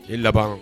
I laban